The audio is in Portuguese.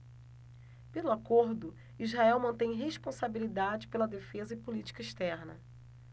pelo acordo israel mantém responsabilidade pela defesa e política externa